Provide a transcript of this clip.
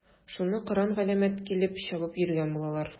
Шуны кыран-галәмәт килеп чабып йөргән булалар.